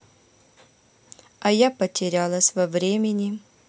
а я потерялась во времени